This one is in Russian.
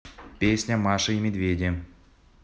песня маша и медведи